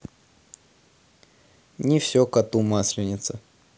не все коту масленица